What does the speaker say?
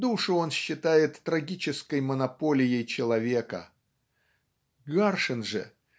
душу он считает трагической монополией человека. Гаршин же